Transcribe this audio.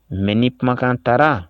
M ni kumakan taara